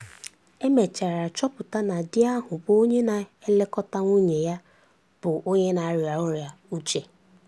E mechara chọpụta na di ahụ bụ onye na-elekọta nwunye ya, bụ onye na-arịa ọrịa uche.